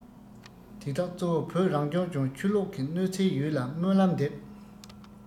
དེ དག གཙོ བོ བོད རང སྐྱོང ལྗོངས ཆུ ལོག གི གནོད འཚེའི ཡུལ ལ སྨོན ལམ འདེབས